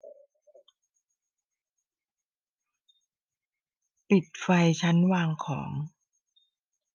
ปิดไฟชั้นวางของ